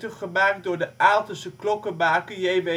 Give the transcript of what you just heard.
gemaakt door de Aaltense klokkenmaker J.W.